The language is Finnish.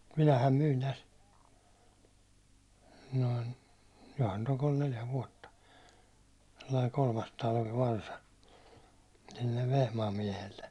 minähän myin tässä noin johan nyt on kolme neljä vuotta sellainen kolmastalvi varsa sille Vehmaan miehelle